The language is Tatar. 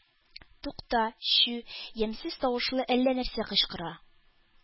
Тукта, чү! Ямьсез тавышлы әллә нәрсә кычкыра.